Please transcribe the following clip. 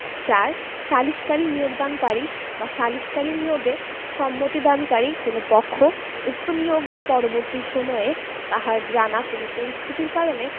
৪ সালিসকারী নিয়োগদানকারী বা সালিসকারী নিয়োগে সম্মতিদানকারী কোন পক্ষ উক্ত নিয়োগের পরবর্তি সময়ে তাহার জানা কোন পরিস্থিতির কারণে